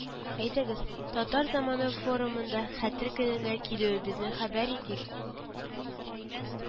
Әйдәгез Татар заманы форумында Хәтер көненә килүебезне хәбәр итик